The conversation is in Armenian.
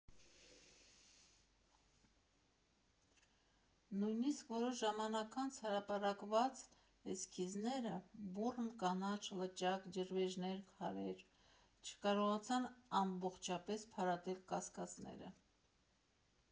Նույնիսկ որոշ ժամանակ անց հրապարակված էսքիզները (բուռն կանաչ, լճակ, ջրվեժներ, քարեր) չկարողացան ամբողջապես փարատել կասկածները.